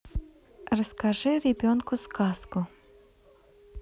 расскажи ребенку сказку